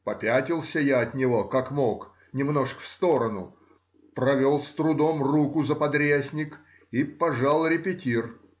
Попятился я от него, как мог, немножко в сторону, провел с трудом руку за подрясник и пожал репетир